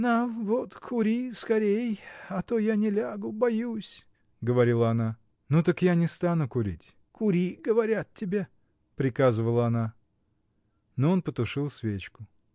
— На вот, кури скорей, а то я не лягу, боюсь, — говорила она. — Ну так я не стану курить. — Кури, говорят тебе! — приказывала она. Но он потушил свечку.